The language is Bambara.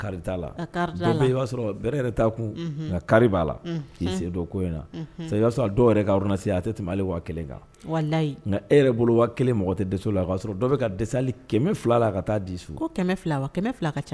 'a y'a sɔrɔ dɔw a tɛ tɛmɛ kan nka e yɛrɛ bolo mɔgɔ tɛ de la o'a sɔrɔ dɔw bɛ ka dɛsɛ kɛmɛ fila la ka taa disu kɛmɛ fila fila